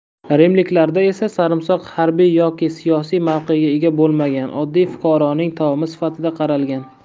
rimliklarda esa sarimsoq harbiy yoki siyosiy mavqega ega bo'lmagan oddiy fuqaroning taomi sifatida qaralgan